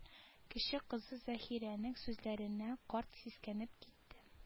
Кече кызы заһирәнең сүзләреннән карт сискәнеп китте